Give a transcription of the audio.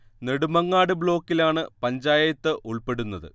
നെടുമങ്ങാട് ബ്ലോക്കിൽ ആണ് പഞ്ചായത്ത് ഉൾപ്പെടുന്നത്